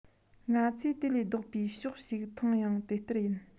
ང ཚོས དེ ལས ལྡོག པའི ཕྱོགས ཤིག མཐོང ཡང དེ ལྟར ཡིན